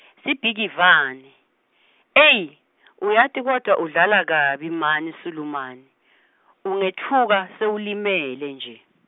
Sibhikivane, eyi uyati kodvwa udlala kabi mani sulumane, ungetfuka, sewulimele, nje.